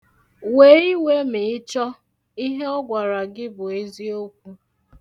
Wee iwe ma ị chọọ! Ihe ọ gwara gị bụ eziokwu.